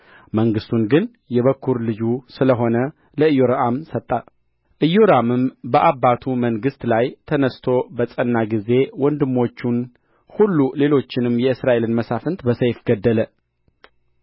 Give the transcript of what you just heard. መንግሥቱን ግን በኵር ልጁ ስለ ሆነ ለኢዮራም ሰጠ ኢዮራምም በአባቱ መንግሥት ላይ ተነሥቶ በጸና ጊዜ ወንድሞቹን ሁሉ ሌሎችንም የእስራኤልን መሳፍንት በሰይፍ ገደለ